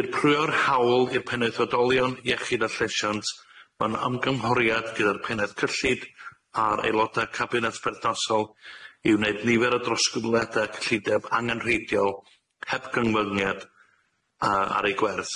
Dirprwyo'r hawl i'r pennaeth oedolion iechyd a llesiant mewn ymgynghoriad gyda'r pennod cyllid a'r aeloda' cabinet perthnasol i wneud nifer o drosglwadau cyllideb angenrheidiol heb gyngfyngiad yy ar ei gwerth